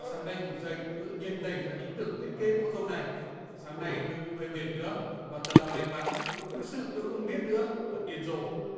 sáng nay ngủ dậy tôi tự nhiên nảy ra ý tưởng thiết kế bộ râu này sáng nay tôi cũng hơi mệt nữa và thật là may mắn thực sự tôi không biết nữa thật điên rồ